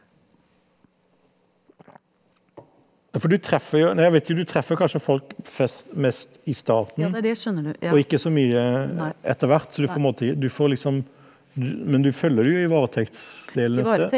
for du treffer jo nei jeg vet ikke du treffer kanskje folk flest mest i starten og ikke så mye etter hvert så du får måte du får liksom men du følger du jo i varetektsdelene .